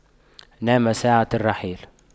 نام ساعة الرحيل